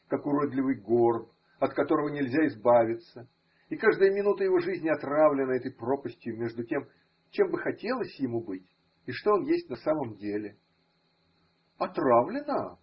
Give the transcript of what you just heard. как уродливый горб, от которого нельзя избавиться, и каждая минута его жизни отравлена этой пропастью между тем, чем бы хотелось ему быть. и что он есть на самом деле. – Отравлена?